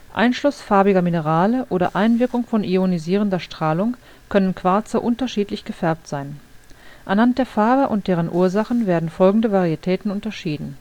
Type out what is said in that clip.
Einschluss farbiger Minerale oder Einwirkung von ionisierender Strahlung können Quarze unterschiedlich gefärbt sein. Anhand der Farbe und deren Ursache werden folgende Varietäten unterschieden